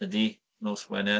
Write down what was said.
Ydy, nos Wener.